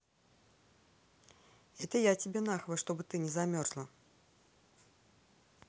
это я тебе нахова что ты не замерзла